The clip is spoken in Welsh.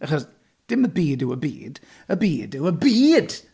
Achos dim y byd yw y byd, y byd yw y byd!